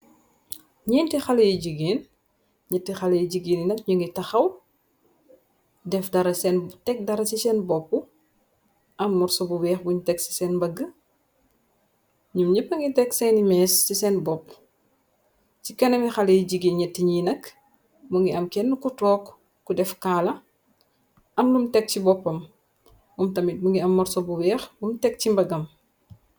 Nñenti xale yu jigeen, ñetti xale yu jigeenyi nak ñu ngiy taxaw, def dara, teg dara ci seen bopp. Am morso bu weex buñ teg ci seen mbagg. Nñum ñepp ngi teg seeni mees ci seen bopp. Ci kenami xale yi jigéen ñetti ñiy nakk, mu ngi am kenn ku took, ku def kaala am lum teg ci boppam. Mum tamit mu ngi am morso bu weex bum teg ci mbagam.